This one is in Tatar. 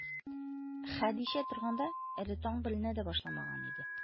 Хәдичә торганда, әле таң беленә дә башламаган иде.